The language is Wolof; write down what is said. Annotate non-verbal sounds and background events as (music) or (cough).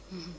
(hesitation) (hesitation)